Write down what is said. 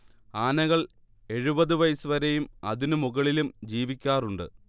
ആനകൾ എഴുപത് വയസ്സ് വരെയും അതിനു മുകളിലും ജീവിക്കാറുണ്ട്